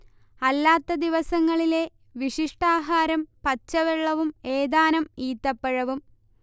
അല്ലാത്ത ദിവസങ്ങളിലെ വിശിഷ്ടാഹാരം പച്ചവെള്ളവും ഏതാനും ഈത്തപ്പഴവും